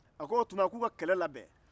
a ko o tuma k'u ka kɛlɛ labɛn